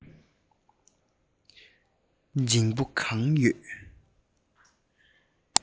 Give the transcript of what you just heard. འཇིང པོ གང ཡོད